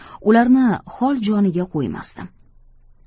ularni hol joniga qo'ymasdim